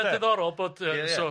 Ie diddorol bod... Ie ie. ...so...